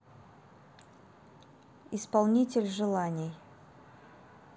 исполнитель желаний